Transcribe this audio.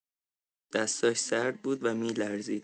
دستاش سرد بود و می‌لرزید.